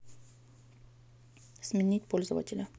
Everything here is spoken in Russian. сменить пользователя